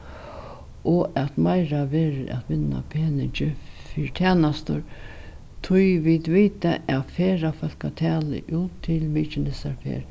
og at meira verður at vinna peningi fyri tænastur tí vit vita at ferðafólkatalið út til mykinesar fer